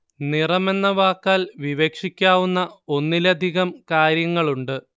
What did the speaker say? നിറമെന്ന വാക്കാൽ വിവക്ഷിക്കാവുന്ന ഒന്നിലധികം കാര്യങ്ങളുണ്ട്